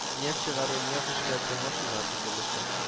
Нефть чыгару, нефть эшкәртү, машина төзелеше. шу